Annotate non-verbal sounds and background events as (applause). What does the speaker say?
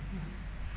(hesitation) (hesitation)